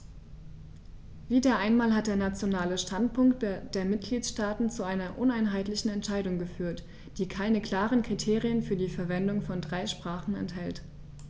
Wieder einmal hat der nationale Standpunkt der Mitgliedsstaaten zu einer uneinheitlichen Entscheidung geführt, die keine klaren Kriterien für die Verwendung von drei Sprachen enthält.